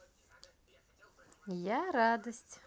я радость